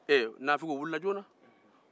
nafigiw wulila joona